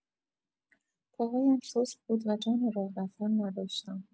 پاهایم سست بود و جان راه‌رفتن نداشتم.